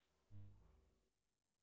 шалунишка